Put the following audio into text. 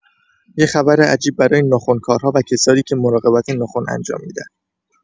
یه خبر عجیب برای ناخن‌کارها و کسانی که مراقبت ناخن انجام می‌دن!